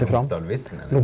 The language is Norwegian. Lomdal-Visten er det?